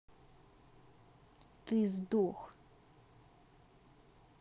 ты сдох